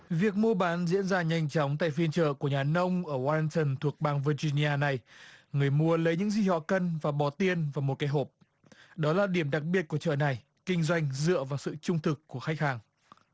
việc mua bán diễn ra nhanh chóng tại phiên chợ của nhà nông ở oai tần thuộc bang vi gi ni a này người mua lấy những gì họ cần và bỏ tiền vào một cái hộp đó là điểm đặc biệt của chợ này kinh doanh dựa vào sự trung thực của khách hàng